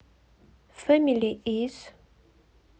фэмили из